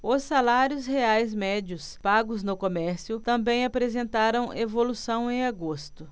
os salários reais médios pagos no comércio também apresentaram evolução em agosto